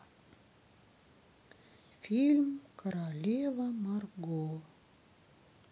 фильм королева марго